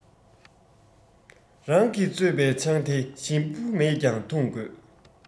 རང གིས བཙོས པའི ཆང དེ ཞིམ པོ མེད ཀྱང འཐུང དགོས